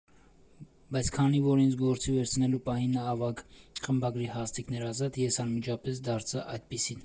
Բայց քանի որ ինձ գործի վերցնելու պահին ավագ խմբագրի հաստիքն էր ազատ, ես անմիջապես դարձա այդպիսին։